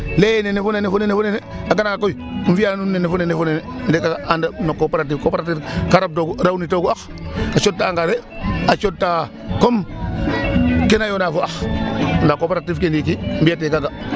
Coopérative ko in oxa lay ee nene fo nene fo nene a garanga koy um fi'ana nuun nene fo nene fo nene kaaga andum no cooperative. Cooperative ka rabdoogu rawnitoogu ax a cooxta engrais a cooxta comme kena yoona fo ax ndaa cooperative ke ndiiki mbi'atee kaaga.